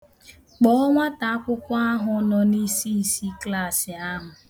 Kpọọ nwataakwụkwọ ahụ nọ n'isiisi Klaasị ahụ